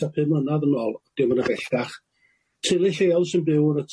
tua pum mlynadd yn ôl dim yna bellach, teulu lleol sy'n byw yn y